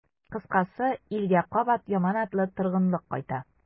Кыскасы, илгә кабат яманатлы торгынлык кайта.